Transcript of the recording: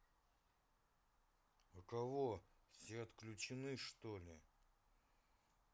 а кого все отключены что ли